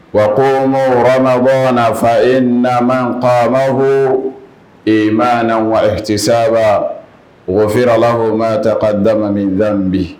Wa ko mɔgɔ warabɔ nafa fa e na kuma ko ee mana wa saba mɔgɔ feerela ko ma ta ka dama min daminɛ bi